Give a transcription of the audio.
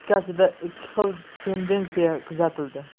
xil tendentsiya kuzatildi